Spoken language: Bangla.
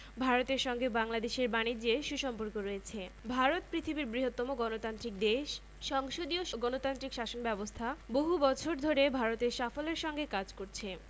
এশিয়ার বহুদেশের সঙ্গেই বাংলাদেশের রয়েছে চমৎকার বন্ধুত্বপূর্ণ সম্পর্ক শিক্ষা সাহিত্য সংস্কৃতি বানিজ্য শিল্প প্রযুক্তিসহ বিভিন্ন ক্ষেত্রে তাদের সঙ্গে আমাদের সহযোগিতার সম্পর্ক আছে